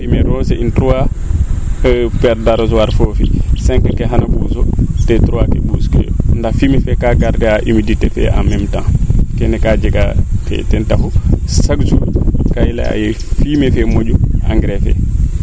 fumier roose in trois paire arosoire foofi cinq ke xana ɓuus to trois ke ɓuus keyo ndax fumier fee ka garder aa humidité fee en meme temps kene kaa jegaa ten taxu chaque jour kaa i lyaa ye fumier fee moƴu engrais fee